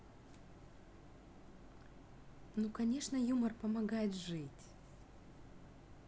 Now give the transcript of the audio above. ну конечно юмор помогает жить